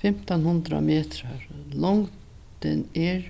fimtan hundrað metrar longdin er